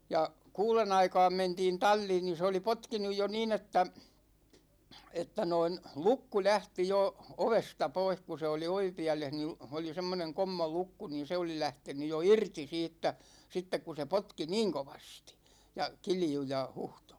ja kuuden aikaan mentiin talliin niin se oli potkinut jo niin että että noin lukko lähti jo ovesta pois kun se oli ovipielessä niin oli semmoinen kommolukko niin se oli lähtenyt jo irti siitä sitten kun se potki niin kovasti ja kiljui ja huhtoi